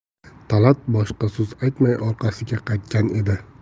talat boshqa so'z aytmay orqasiga qaytgan edi